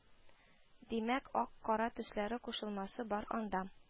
Димәк, ак, кара төсләре кушылмасы бар анда